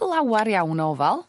lawar iawn o ofal